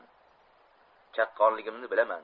chaqqonligimni bilaman